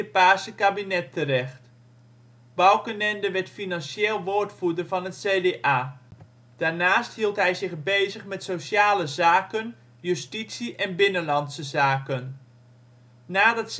paarse kabinet terecht. Balkenende werd hij financieel woordvoerder van het CDA. Daarnaast hield hij zich bezig met sociale zaken, justitie en binnenlandse zaken. Nadat